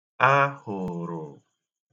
ahụ̀rụ̀